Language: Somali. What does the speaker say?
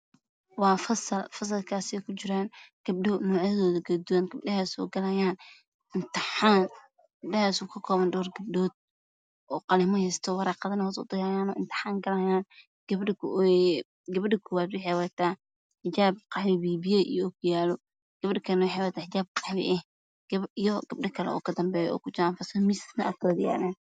Waa fasal waxaa kujiro gabdho oo nuucyadoodu kala duwan yihiin waxay galahayaan intixaan. Gabdhahaas oo ka kooban dhawr gabdhood oo heysto qalimo warqadana hoos udayahayaan, gabadha koowaad waxay wadataa xijaab qaxwi biyo biyo ah gabadha kalana waxay wadataa xijaab qaxwi iyo gabdho kala oo kadambeeyo oo miisas agtaada yaalaan.